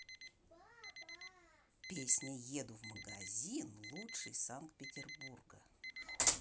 песня еду в магазин лучший санкт петербурга